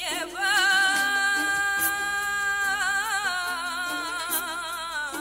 Dengo